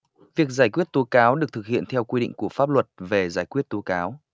việc giải quyết tố cáo được thực hiện theo quy định của pháp luật về giải quyết tố cáo